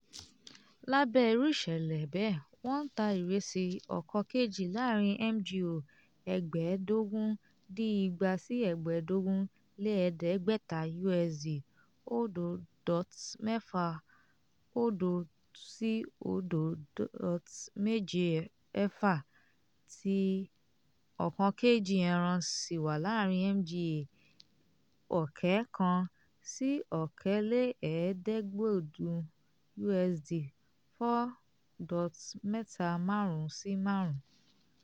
Lábẹ́ irú ìṣẹ̀lẹ̀ bẹ́ẹ̀, wọ́n ń ta ìrẹ̀sì 1kg láàárin MGA 2,800 sí 3,500 (USD 0.60 to 0.76), tí 1 kg ẹran sì wà láàárin MGA 20,000 sí 23,000 ( USD 4.35 to 5).